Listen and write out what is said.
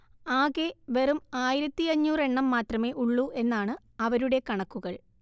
ആകെ വെറും ആയിരത്തിയഞ്ഞൂറ് എണ്ണം മാത്രമേ ഉള്ളൂ എന്നാണ് അവരുടെ കണക്കുകൾ